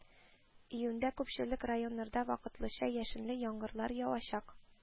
Июньдә күпчелек районнарда вакытлыча яшенле яңгырлар явачак